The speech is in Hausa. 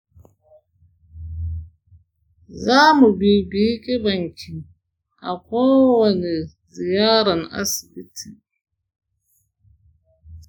zamu bibiyi ƙibanki a kowani ziyaran asibiti.